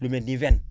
lu mel ni veine